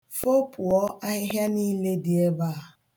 Fopụ ahịhịa niile dị ebe a.